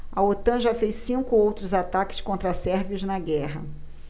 a otan já fez cinco outros ataques contra sérvios na guerra